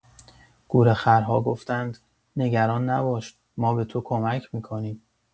گورخرها گفتند: نگران نباش، ما به تو کمک می‌کنیم.